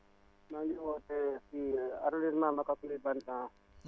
maa ngi wootee fii arrondissement Makka Kulibantang